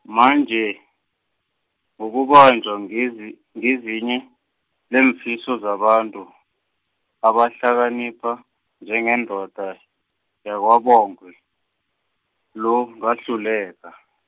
manje, ngokubanjwa ngezi- ngezinye, iimfiso zabantu, abahlakanipha, njengendoda, yakwaBongwe, lo ngahluleka.